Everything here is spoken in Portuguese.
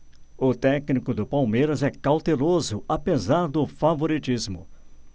o técnico do palmeiras é cauteloso apesar do favoritismo